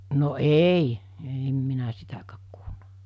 no ei ei en minä sitäkään kuullut